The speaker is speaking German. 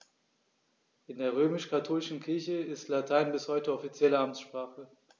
In der römisch-katholischen Kirche ist Latein bis heute offizielle Amtssprache.